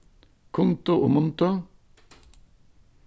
kundu og mundu